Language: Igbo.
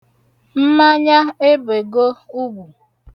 Mmanya ebego ugwu.